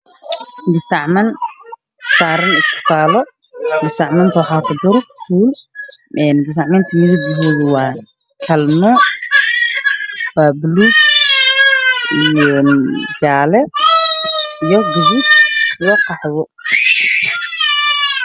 Meeshaan waa subar-market waxaa yaalo biyo ay ku jiraan kartoomo iyo caadado oo iskafaala saaranMeeshaan waa subar-market waxaa yaalo biyo ay ku jiraan kartoomo iyo caadado oo iskafaala saaran